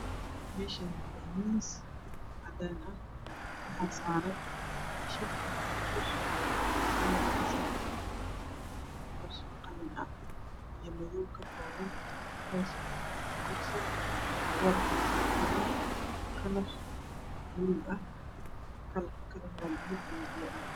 Meeshani waa miis cadaan ah waxaa saaran kalarkiisu yahay qalin ah iyo madaw kakoban